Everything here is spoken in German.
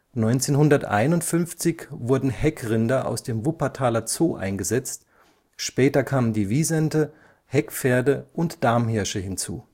1951 wurden Heckrinder aus dem Wuppertaler Zoo eingesetzt, später kamen die Wisente, Heckpferde und Damhirsche hinzu